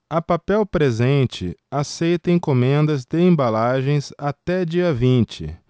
a papel presente aceita encomendas de embalagens até dia vinte